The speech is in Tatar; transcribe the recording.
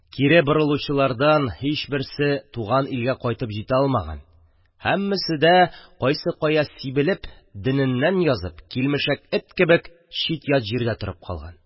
«кире борылучылардан һичберсе туган илгә кайтып җитә алмаган, һәммәсе дә, кайсы кая сибелеп, дененнән язып, килмешәк эт кебек, чит-ят җирдә торып калган».